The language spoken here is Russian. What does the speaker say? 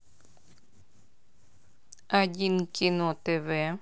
один кино тв